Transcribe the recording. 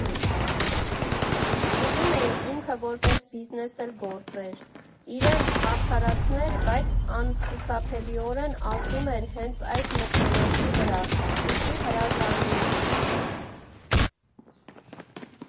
Ուզում էի՝ ինքը որպես բիզնես էլ գործեր, իրեն արդարացներ, բայց անխուսափելիորեն ազդում էր հենց այդ մթոլորտի վրա, ուստի հրաժարվում էի։